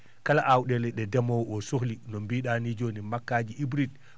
kala aawɗeele ɗe ndemowo o sohli no mbiɗaa nii jooni makkaaji hybride